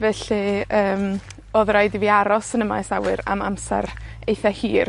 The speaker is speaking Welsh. Felly yym odd raid i fi aros yn y maes awyr am amser eitha hir.